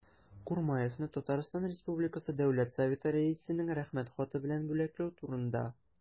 И.Х. Курмаевны Татарстан республикасы дәүләт советы рәисенең рәхмәт хаты белән бүләкләү турында